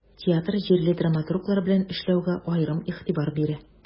Театр җирле драматурглар белән эшләүгә аерым игътибар бирә.